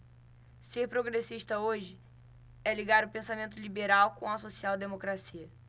ser progressista hoje é ligar o pensamento liberal com a social democracia